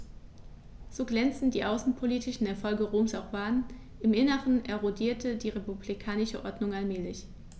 So glänzend die außenpolitischen Erfolge Roms auch waren: Im Inneren erodierte die republikanische Ordnung allmählich.